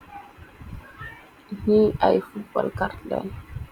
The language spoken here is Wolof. Ni ay fubal ket leng.